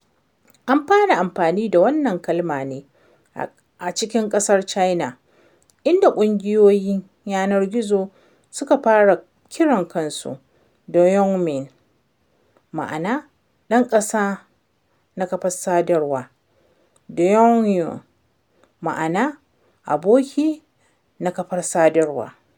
An fara amfani da wannan kalma ne a cikin ƙasar China, inda ƙungiyoyin yanar gizo suka fara kiran kansu da wǎngmín (网民, ma’ana “ɗan ƙasa na kafar sadarwa”) da wǎngyǒu (网友, ma’ana “aboki na kafar sadarwa”).